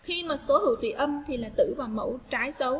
thi một số hữu tỉ âm thì là tử và mẫu trái dấu